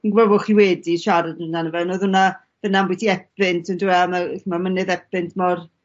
Fi'n gwel' bo' chi wedi siarad amdano fe ond odd wnna, hwnna ambwti Epynt on'd yw e? A ma' Mynydd Epynt mor